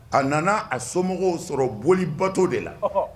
A nana a somɔgɔw sɔrɔ boli bato de la